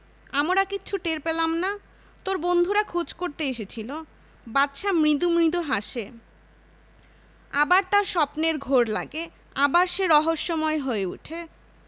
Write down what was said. আমরা কিচ্ছু টের পেলাম না তোর বন্ধুরা খোঁজ করতে এসেছিলো বাদশা মৃদু মৃদু হাসে আবার তার স্বপ্নের ঘোর লাগে আবার সে রহস্যময় হয়ে উঠে